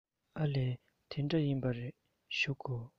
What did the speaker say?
ཨ ལས དེ འདྲ ཡིན པ རེད བཞུགས དགོ